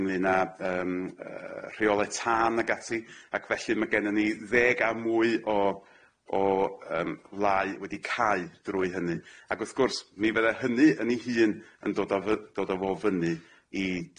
ynglŷn â yym yy rheolau tân ag ati ac felly ma' gennon ni ddeg a mwy o o yym lau wedi cau drwy hynny ag wrth gwrs mi fydde hynny yn ei hun yn dod o fy- dod o fo fyny i